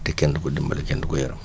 te kenn du ko dimbale kenn du ko yërëm